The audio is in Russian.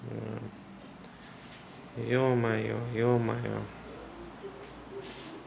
е мое е мое